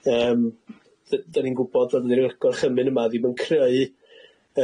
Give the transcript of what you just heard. Yym d- 'dan ni'n gwbod y gorchymyn yma ddim yn creu